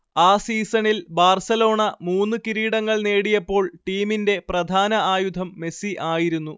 ആ സീസണിൽ ബാർസലോണ മൂന്ന് കിരീടങ്ങൾ നേടിയപ്പോൾ ടീമിന്റെ പ്രധാന ആയുധം മെസ്സി ആയിരുന്നു